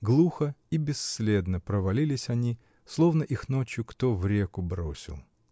глухо и бесследно провалились они, словно их ночью кто в реку бросил.